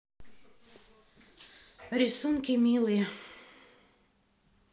рисунки милые